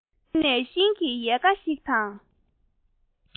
བསྟུན ནས ཤིང གི ཡལ ག ཞིག དང